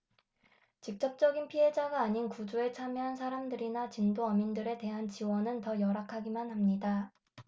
직접적인 피해자가 아닌 구조에 참여한 사람들이나 진도어민들에 대한 지원은 더 열악하기만 합니다